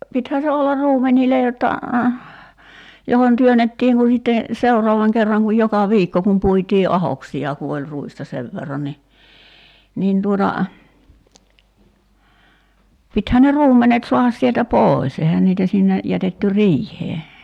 pitihän se olla ruumenille jotta johon työnnettiin kun sitten seuraavan kerran kun joka viikko kun puitiin ahdoksia kun oli ruista sen verran niin niin tuota pitihän ne ruumenet saada sieltä pois eihän niitä sinne jätetty riiheen